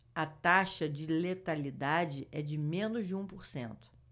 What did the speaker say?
a taxa de letalidade é de menos de um por cento